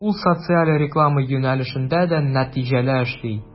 Ул социаль реклама юнәлешендә дә нәтиҗәле эшли.